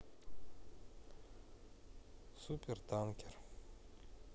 супер танкер